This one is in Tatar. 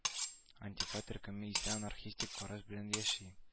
Антифа төркеме исә анархистик караш белән яши